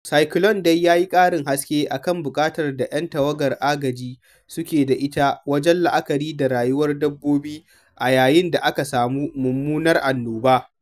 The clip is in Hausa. Cyclone Idai ya yi ƙarin haske a kan buƙatar da 'yan tawagar agaji suke da ita wajen la'akari da rayuwar dabbobi a yayin da aka samu mummunar annoba.